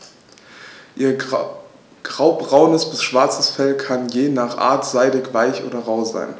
Ihr graubraunes bis schwarzes Fell kann je nach Art seidig-weich oder rau sein.